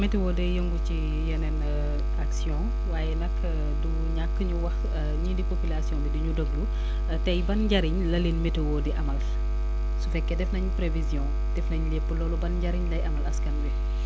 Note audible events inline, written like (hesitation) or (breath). météo day yëngu ci (hesitation) yeneen (hesitation) actions waaye nag (hesitation) du ñàkk ñu wax (hesitation) ñii di population bi di ñu déglu (breath) tey ban njëriñ la leen météo di amal su fekkee def nañ prévision def nañ lépp loolu ban njëriñ lay amal askan wi